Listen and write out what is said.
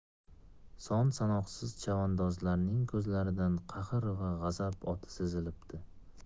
son sanoqsiz chavandozlarning ko'zlaridan qahr va g'azab o'ti sezilibdi